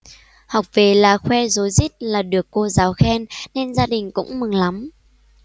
học về là khoe rối rít là được cô giáo khen nên gia đình cũng mừng lắm